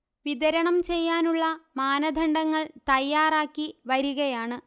വിതരണം ചെയ്യാനുള്ള മാനദണ്ഡങ്ങൾ തയ്യാറാക്കി വരികയാണ്